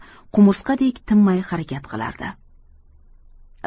qumursqadek tinmay harakat qilardi